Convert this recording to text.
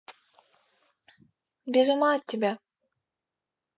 без ума от тебя